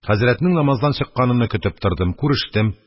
Хәзрәтнең намаздан чыкканыны көтеп торып күрештем.